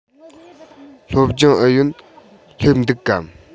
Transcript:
སློབ སྦྱོང ཨུ ཡོན སླེབས འདུག གམ